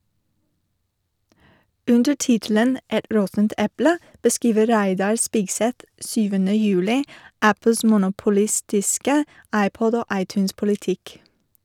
Under tittelen «Et råttent eple» beskriver Reidar Spigseth 7. juli Apples monopolistiske iPod- og iTunes-politikk.